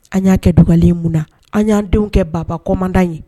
An y'a kɛ duglen mun na an y'an denw kɛ baba kɔmanda ye